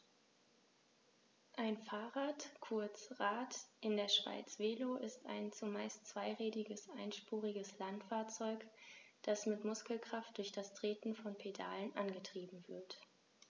Ein Fahrrad, kurz Rad, in der Schweiz Velo, ist ein zumeist zweirädriges einspuriges Landfahrzeug, das mit Muskelkraft durch das Treten von Pedalen angetrieben wird.